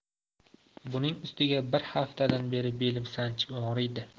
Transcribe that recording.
buning ustiga bir haftadan beri belim sanchib og'riydi